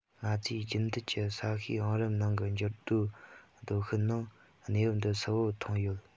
ང ཚོས རྒྱུན མཐུད ཀྱི ས གཤིས བང རིམ ནང གི འགྱུར རྡོའི རོ ཤུལ ནང གནས བབ འདི གསལ པོར མཐོང ཡོད